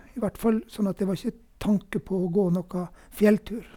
I hvert fall sånn at det var ikke tanke på å gå noen fjelltur.